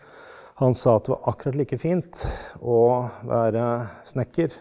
han sa at det var akkurat like fint å være snekker.